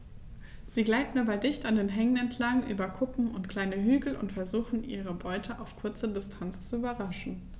Sie gleiten dabei dicht an Hängen entlang, über Kuppen und kleine Hügel und versuchen ihre Beute auf kurze Distanz zu überraschen.